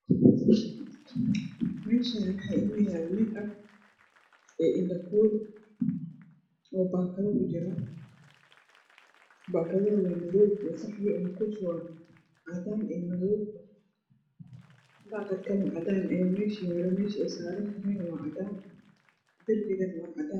Meeshaan waxaa yaalo make up indho kuul oo baakado kujiro. Baakadaha waa madow iyo qaxwi cadaan iyo madow. Baakad kale oo cadaan ah ayaa meesha yaalo, meesha ay saaran tahay waa cadaan, darbiga waa cadaan.